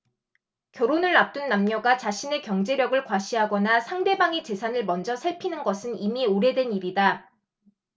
결혼을 앞둔 남녀가 자신의 경제력을 과시하거나 상대방의 재산을 먼저 살피는 것은 이미 오래된 일이다